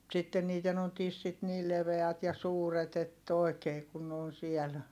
mutta sitten niiden on tissit niillä leveät ja suuret että oikein kun ne on siellä